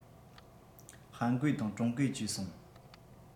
ཧན གོའི དང ཀྲུང གོའི ཅེས གསུང